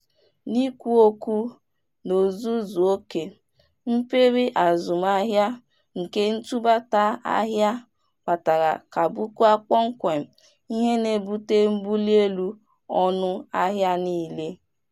N'ikwu okwu n'ozuzuoke, mperi azụmụahịa nke ntụbata ahịa kpatara ka bụkwa kpọmkwem ihe na-ebute mbuli elu ọnụ ahịa niile.